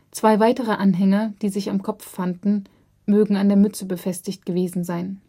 Zwei weitere Anhänger, die sich am Kopf fanden, mögen an der Mütze befestigt gewesen sein